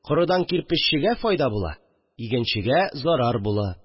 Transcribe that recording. Корыдан кирпеччегә файда була, игенчегә зарар була